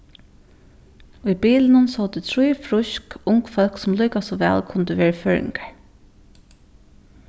í bilinum sótu trý frísk ung fólk sum líka so væl kundu verið føroyingar